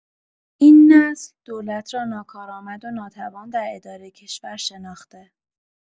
این نسل، دولت را ناکارآمد و ناتوان در اداره کشور شناخته